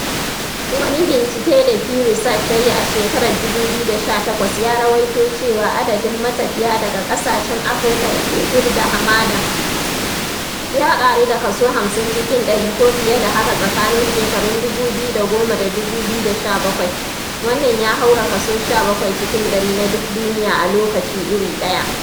Wani bincike da Pew Research ta yi a shekarar 2018 ya rawaito cewa adadin matafiya daga ƙasashen Afirka da ke kudu da hamada "ya ƙaru da kaso 50 cikin ɗari ko fiye da haka tsakanin shekarun 2010 da 2017, wannan ya haura kaso 17 cikin ɗari na duk duniya a lokaci iri ɗaya".